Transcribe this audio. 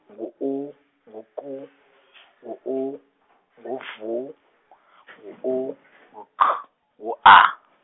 ngu U, ngu K , ngu U , ngu V , ngu U, ngu K, ngu A.